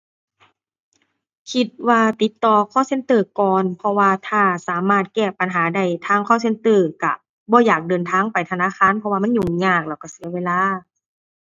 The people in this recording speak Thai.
คิดว่าติดต่อ call center ก่อน เพราะว่าถ้าสามารถแก้ปัญหาได้ทาง call center ก็ บ่ยากเดินทางไปธนาคาร เพราะว่ามันยุ่งยากแล้วก็เสียเวลา